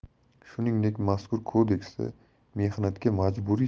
shuningdek mazkur kodeksda mehnatga ma'muriy